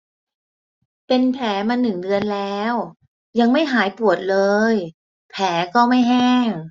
เป็นแผลมาหนึ่งเดือนแล้วยังไม่หายปวดเลยแผลก็ไม่แห้ง